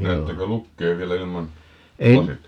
näettekö lukea vielä ilman lasitta